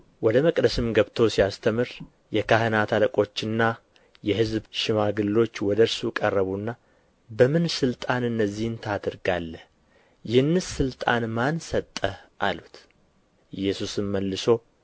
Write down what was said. ወደ መቅደስም ገብቶ ሲያስተምር የካህናት አለቆችና የሕዝብ ሽማግሎች ወደ እርሱ ቀረቡና በምን ሥልጣን እነዚህን ታደርጋለህ ይህንስ ሥልጣን ማን ሰጠህ አሉት ኢየሱስም መልሶ